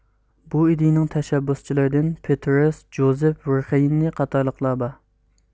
بۇ ئىدىيىنىڭ تەشەببۇسچىلىرىدىن پېتېرس جوزېف ۋېرخېيننى قاتارلىقلار بار